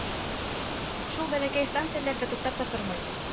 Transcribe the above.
Шул бәләкәй станцияләрдә туктап та тормый.